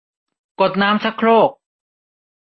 กดน้ำชักโครก